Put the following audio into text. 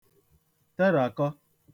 teràkọ